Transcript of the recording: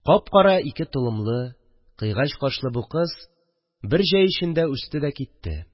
Кап-кара ике толымлы, кыйгач кашлы бу кыз бер җәй эчендә үсте дә китте